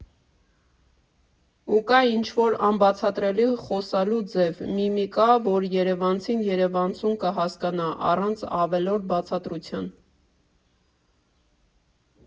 Ու կա ինչ֊որ անբացատրելի խոսալու ձև, միմիկա, որ երևանցին երևանցուն կհասկանա առանց ավելորդ բացատրության։